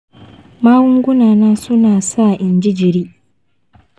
magungunana su na sa inji jiri.